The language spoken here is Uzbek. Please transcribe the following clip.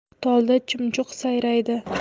tolda chumchuq sayraydi